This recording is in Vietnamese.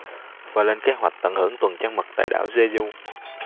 và lên kế hoạch hưởng tuần trăng mật tại đảo jeju